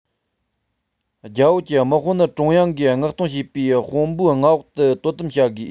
རྒྱ བོད ཀྱི དམག དཔུང ནི ཀྲུང དབྱང གིས མངགས གཏོང བྱས པའི དཔོན པའི མངའ འོག ཏུ དོ དམ བྱ དགོས